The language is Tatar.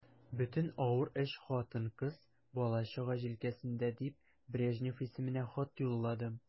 Бөтен авыр эш хатын-кыз, бала-чага җилкәсендә дип, Брежнев исеменә хат юлладым.